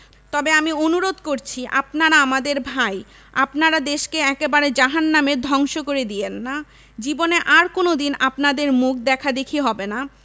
তবে আমি অনুরোধ করছি আপনারা আমাদের ভাই আপনারা দেশকে একেবারে জাহান্নামে ধংস্ব করে দিয়েন না জীবনে আর কোন দিন আপনাদের মুখ দেখা দেখি হবে না